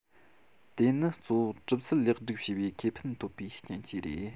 དེ ནི གཙོ བོ གྲུབ ཚུལ ལེགས སྒྲིག བྱས པའི ཁེ ཕན ཐོབ པའི རྐྱེན གྱིས རེད